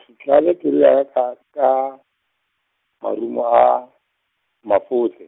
se hlabe pelo ya ka ka, ka marumo a mafotle ,